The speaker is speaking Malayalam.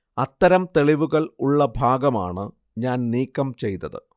അത്തരം തെളിവുകൾ ഉള്ള ഭാഗമാണ് ഞാൻ നീക്കം ചെയ്തത്